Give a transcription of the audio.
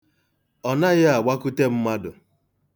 Ọ naghị agbakute mmadụ.